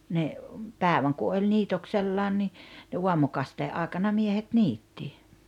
ne päivän kun oli niitoksellaan niin ne aamukasteen aikana miehet niitti